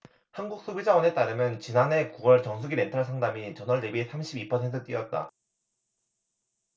한국소비자원에 따르면 지난해 구 월 정수기렌털 상담이 전월대비 삼십 이 퍼센트 뛰었다